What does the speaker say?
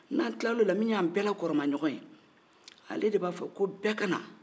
n'an kilala ola min ye an bɛɛ la kɔrɔmaɲɔgɔ ye ale de fo ko